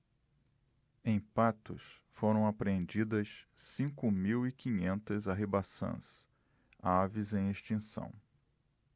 em patos foram apreendidas cinco mil e quinhentas arribaçãs aves em extinção